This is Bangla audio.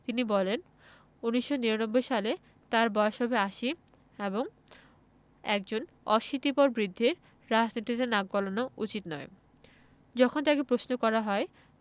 তিনি বলেন ১৯৯৯ সালে তাঁর বয়স হবে আশি এবং একজন অশীতিপর বৃদ্ধের রাজনীতিতে নাক গলানো উচিত নয় যখন তাঁকে প্রশ্ন করা হয়